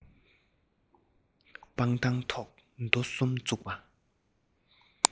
སྤང ཐང ཐོག རྡོ གསུམ བཙུགས པ